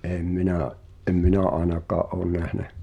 en minä en minä ainakaan ole nähnyt